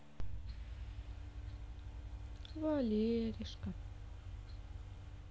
валеришка